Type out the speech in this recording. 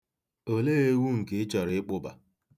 Olee ewu nke ị chọrọ ịkpụba?